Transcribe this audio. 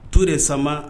To de sama